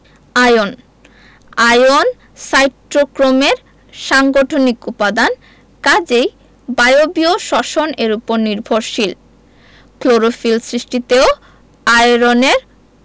ion আয়ন সাইটোক্রোমের সাংগঠনিক উপাদান কাজেই বায়বীয় শ্বসন এর উপর নির্ভরশীল ক্লোরোফিল সৃষ্টিতেও আয়রনের